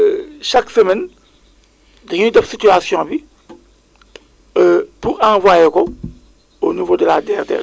toujours dafay basé wu moom aussi sur ses données climatiques là pour mën a kii quoi définir kii kii quoi ce qu' on appelle donc la carte variétale quoi